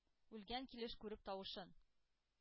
Үлгән килеш күреп тавышын.